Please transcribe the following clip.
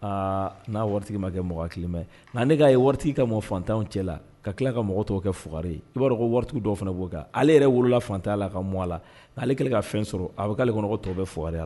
Aa n'a waritigi ma kɛ mɔgɔ kelenmɛ nka ne'a ye waritigi ka mɔgɔ fantanw cɛ la ka tila ka mɔgɔ tɔgɔ kɛ fug i b'a dɔn ko waritigi dɔw fana b'o kan ale yɛrɛ worola fantan la ka mɔ la' ale ka fɛn sɔrɔ a bɛ'ale kɔnɔ tɔ kɛ fug ye